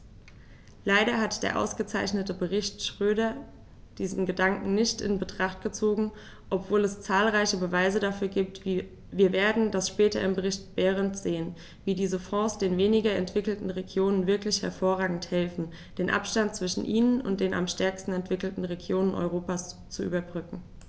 Leider hat der ausgezeichnete Bericht Schroedter diesen Gedanken nicht in Betracht gezogen, obwohl es zahlreiche Beweise dafür gibt - wir werden das später im Bericht Berend sehen -, wie diese Fonds den weniger entwickelten Regionen wirklich hervorragend helfen, den Abstand zwischen ihnen und den am stärksten entwickelten Regionen Europas zu überbrücken.